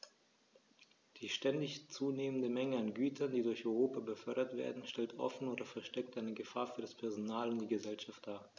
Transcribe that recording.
Die ständig zunehmende Menge an Gütern, die durch Europa befördert werden, stellt offen oder versteckt eine Gefahr für das Personal und die Gesellschaft dar.